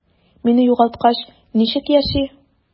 Мине югалткач, ничек яши?